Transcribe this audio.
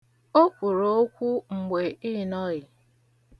O kwuru okwu mgbe ị nọghị.